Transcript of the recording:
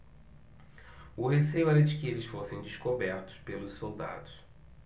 o receio era de que eles fossem descobertos pelos soldados